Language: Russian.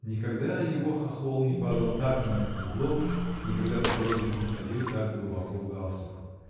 Никогда его хохол не падал так низко на лоб, никогда подбородок не уходил так глубоко в галстук!